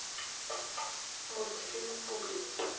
мультфильм бублик